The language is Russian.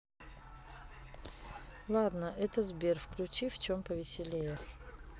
ладно это сбер включи в чем повеселее